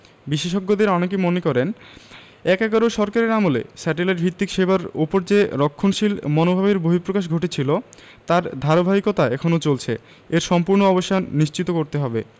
বিশেষজ্ঞদের অনেকে মনে করেন এক–এগারোর সরকারের আমলে স্যাটেলাইট ভিত্তিক সেবার ওপর যে রক্ষণশীল মনোভাবের বহিঃপ্রকাশ ঘটেছিল তার ধারাবাহিকতা এখনো চলছে এর সম্পূর্ণ অবসান নিশ্চিত করতে হবে